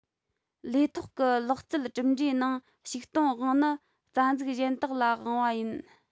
ལས ཐོག གི ལག རྩལ གྲུབ འབྲས ནང བཤུག གཏོང དབང ནི རྩ འཛུགས གཞན དག ལ དབང བ ཡིན